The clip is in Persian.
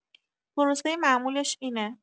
پروسه معمولش اینه.